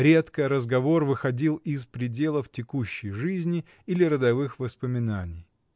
редко разговор выходил из пределов текущей жизни или родовых воспоминаний.